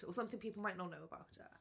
or something people might not know about her.